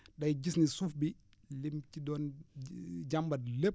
day gis ni suuf bi lim ci doon jàmbat lépp